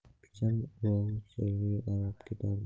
pichan o'rog'i soylarga qarab ketardi